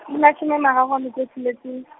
di mashome a mararo a metso e tsheletseng.